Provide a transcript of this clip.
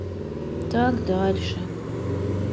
так дальше